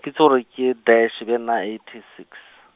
ke itse gore ke dash e be na eighty six.